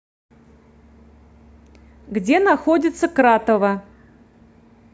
где находится кратово